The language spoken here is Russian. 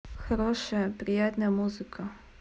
хорошая приятная музыка